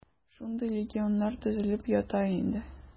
Шундый легионнар төзелеп ята инде.